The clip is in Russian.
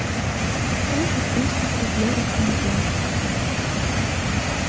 слушать песню петлюра конопля